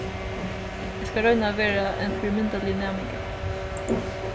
eg skal royna at vera ein fyrimyndarligur næmingur